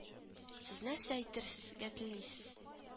- сез нәрсә әйтерсезгә телисез